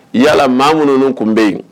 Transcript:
Yala maa minnuunu tun bɛ yen